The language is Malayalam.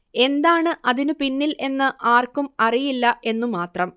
എന്താണ് അതിന് പിന്നിൽ എന്ന് ആർക്കും അറിയില്ല എന്നു മാത്രം